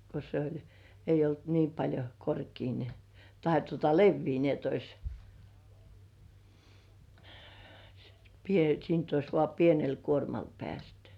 kun se oli ei ollut niin paljon korkea niin tai tuota leveä niin että olisi - siitä olisi vain pienellä kuormalla päästy